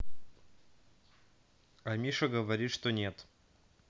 а миша говорит что нет